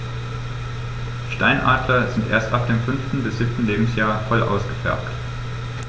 Steinadler sind erst ab dem 5. bis 7. Lebensjahr voll ausgefärbt.